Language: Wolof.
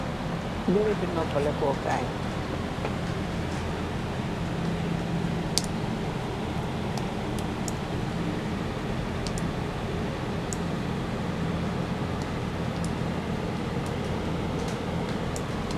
Bèrabi nopaleku kai .